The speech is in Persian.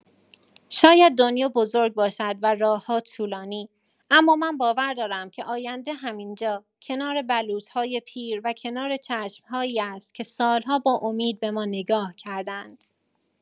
شاید دنیا بزرگ باشد و راه‌ها طولانی، اما من باور دارم که آینده همین‌جا، کنار بلوط‌های پیر و کنار چشم‌هایی است که سال‌ها با امید به ما نگاه کرده‌اند.